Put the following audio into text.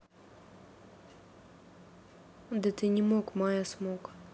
да ты не мог майя smoke